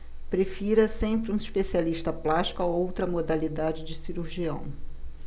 prefira sempre um especialista plástico a outra modalidade de cirurgião